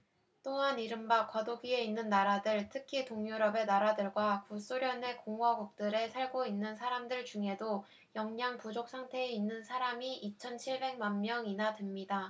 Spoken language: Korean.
또한 이른바 과도기에 있는 나라들 특히 동유럽의 나라들과 구소련의 공화국들에 살고 있는 사람들 중에도 영양 부족 상태에 있는 사람이 이천 칠백 만 명이나 됩니다